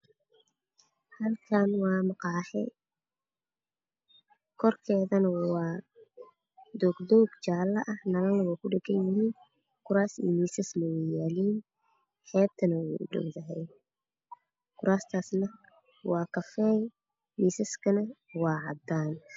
Halkaan waa maqaayad nalal way ku dhagan yihiin xeebtana ay udhowdaahay kuraasman waa cadaan